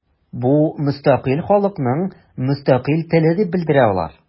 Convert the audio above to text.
Бу – мөстәкыйль халыкның мөстәкыйль теле дип белдерә алар.